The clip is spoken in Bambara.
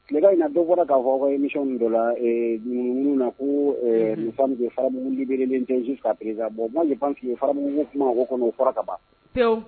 Tileka in na dɔw fɔra k'a fɔ yemiw dɔ la na kofa faram belelenɛn supere bɔn makan ye ban' ye faram kuma o kɔnɔ o fɔra ka ban